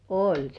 oli se